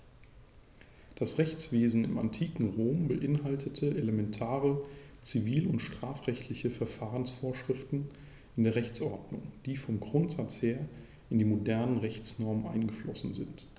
Das Rechtswesen im antiken Rom beinhaltete elementare zivil- und strafrechtliche Verfahrensvorschriften in der Rechtsordnung, die vom Grundsatz her in die modernen Rechtsnormen eingeflossen sind.